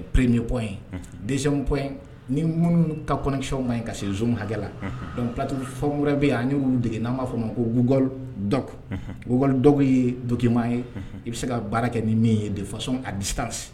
Pree kɔ in de kɔ in ni minnu kakisɛw ma ye ka se z hakɛla dɔnkuc pati faw wɛrɛ bɛ ani wu dege n'a b'a fɔ ma ko guwa dɔu dɔ ye dokiman ye i bɛ se ka baara kɛ ni min ye de fasɔn a disasi